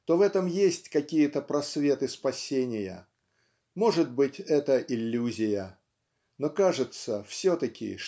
то в этом есть какие-то просветы спасения. Может быть, это иллюзия но кажется все-таки